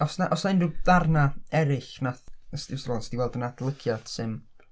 Os yna os yna unrhyw ddarna eraill nath nest ti weld yn adolygiad sy'n...